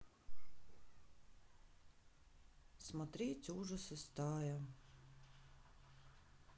смотреть ужасы стая